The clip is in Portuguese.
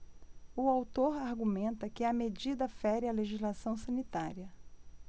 o autor argumenta que a medida fere a legislação sanitária